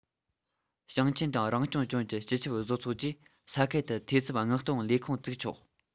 ཞིང ཆེན དང རང སྐྱོང ལྗོངས ཀྱི སྤྱི ཁྱབ བཟོ ཚོགས ཀྱིས ས ཁུལ དུ འཐུས ཚབ མངག གཏོང ལས ཁུངས བཙུགས ཆོག